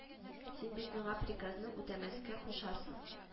Син бит миңа приказны үтәмәскә кушасың